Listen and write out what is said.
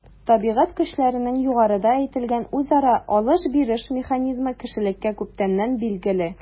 Табигать көчләренең югарыда әйтелгән үзара “алыш-биреш” механизмы кешелеккә күптәннән билгеле.